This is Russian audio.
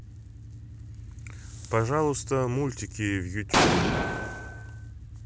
пожалуйста мультики в ютюбе